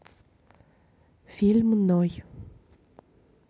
фильм ной